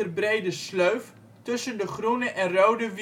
brede sleuf tussen de Groene en Rode